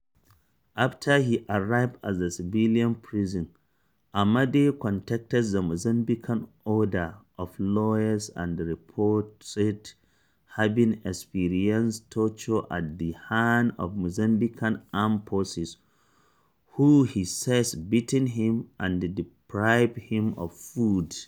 After he arrived at the civilian prison, Amade contacted the Mozambican Order of Lawyers and reported having experienced torture at the hands of Mozambican armed forces, who he says beat him and deprived him of food.